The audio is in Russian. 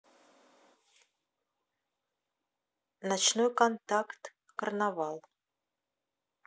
ночной контакт карнавал